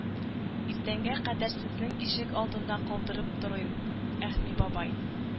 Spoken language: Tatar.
Иртәнгә кадәр сезнең ишек алдында калдырып торыйм, Әхми бабай.